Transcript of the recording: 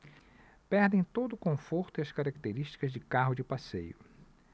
perdem todo o conforto e as características de carro de passeio